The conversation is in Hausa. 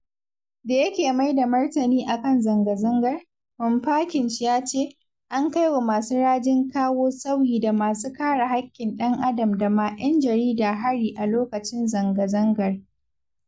Da yake mai da martani a kan zangazangar, Mamfakinch ya ce, an kai wa masu rajin kawo sauyi da masu kare haƙƙin ɗan-adam da ma 'yan jarida hari a lokacin zangazangar.